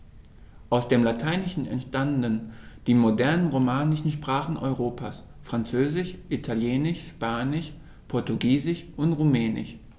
Aus dem Lateinischen entstanden die modernen „romanischen“ Sprachen Europas: Französisch, Italienisch, Spanisch, Portugiesisch und Rumänisch.